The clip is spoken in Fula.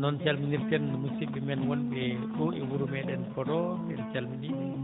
noon calminirten musidɓe men wonɓe ɗoo e wuro meeɗen Podor en calminii ɓe